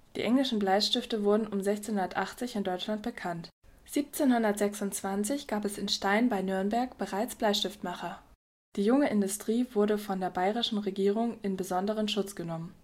Die englischen Bleistifte wurden um 1680 in Deutschland bekannt. 1726 gab es in Stein bei Nürnberg bereits Bleistiftmacher. Die junge Industrie wurde von der bayerischen Regierung in besonderen Schutz genommen